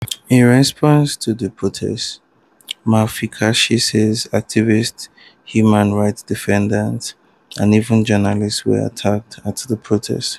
In response to the protest, Mamfakinch says activists, human rights defenders and even journalists were attacked at the protest.